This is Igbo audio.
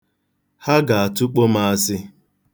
Ha ga-atụkpo m asị.